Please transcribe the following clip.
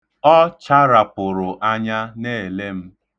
Ọ charapụrụ anya na-ele m.